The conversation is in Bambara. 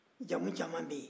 jamu caman bɛ yen